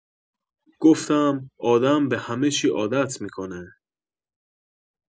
گفتم: «آدم به همه‌چی عادت می‌کنه.»